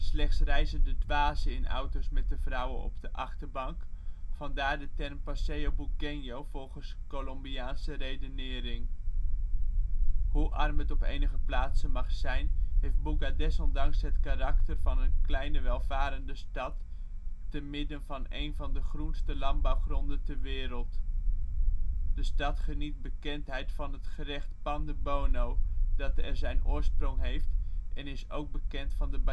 Slechts reizen de dwazen in auto 's met de vrouwen op de achterbank, vandaar de term " Paseo Bugueño " volgens Colombiaanse redenering. Hoe arm het op enige plaatsen mag zijn heeft Buga desondanks het karakter van een kleine welvarende stad, te midden van één van de groenste landbouwgronden ter wereld. De plaats geniet bekendheid van het gerecht " Pan de Bono " waar het zijn oorsprong heeft en is ook bekend van de